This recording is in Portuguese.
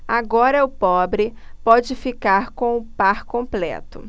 agora o pobre pode ficar com o par completo